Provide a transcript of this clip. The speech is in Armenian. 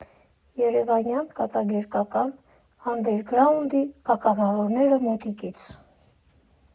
Երևանյան կատակերգական անդերգրաունդի ականավորները՝ մոտիկից։